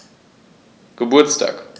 Geburtstag